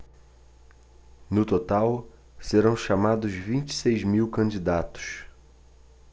no total serão chamados vinte e seis mil candidatos